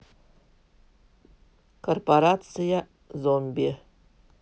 корпорация зомби